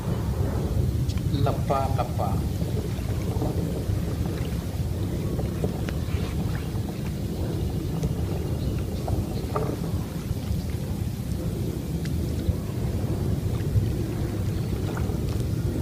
Lapalapa